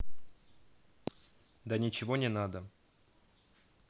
да ничего не надо